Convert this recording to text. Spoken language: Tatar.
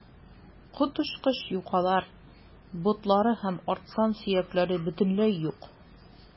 Коточкыч юкалар, ботлары һәм арт сан сөякләре бөтенләй юк.